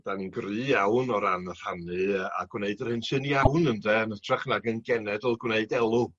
'dan ni'n gry iawn o ran rhannu a gwneud yr hyn sy'n iawn ynde yn ytrach nag yn genedl gwneud elw.